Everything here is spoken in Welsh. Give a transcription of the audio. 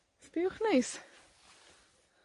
Sbïwch neis.